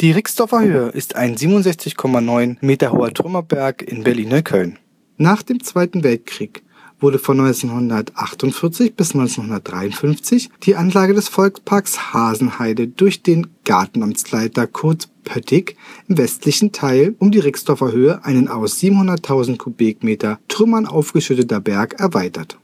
Rixdorfer Höhe ist ein 67,9 Meter hoher Trümmerberg in Berlin-Neukölln. Trümmerfrau-Denkmal auf der Rixdorfer Höhe Nach dem Zweiten Weltkrieg wurde von 1948 bis 1953 die Anlage des Volksparks Hasenheide durch den Gartenamtsleiter Kurt Pöthig im westlichen Teil um die Rixdorfer Höhe, einen aus 700.000 Kubikmeter Trümmer aufgeschütteten Berg, erweitert